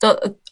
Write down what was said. do- yy